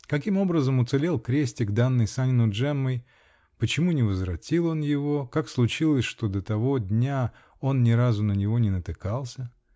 Каким образом уцелел крестик, данный Санину Джеммой, почему не возвратил он его, как случилось, что до того дня он ни разу на него не натыкался?